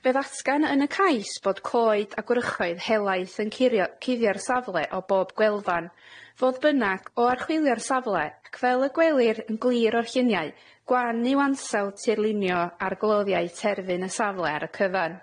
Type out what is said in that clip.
Fe ddatgan yn y cais bod coed a gwrychoedd helaeth yn curio- cuddio'r safle o bob gwelfan, fodd bynnag o archwilio'r safle, ac fel y gwelir yn glir o'r lluniau, gwan yw ansawdd tirlunio ar gloddiau terfyn y safle ar y cyfan.